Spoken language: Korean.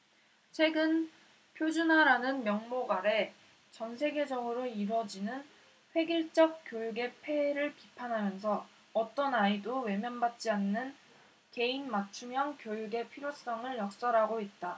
책은 표준화라는 명목 아래 전세계적으로 이뤄지는 획일적 교육의 폐해를 비판하면서 어떤 아이도 외면 받지 않는 개인 맞춤형 교육의 필요성을 역설하고 있다